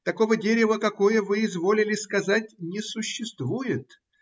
Такого дерева, какое вы изволили сказать, не существует.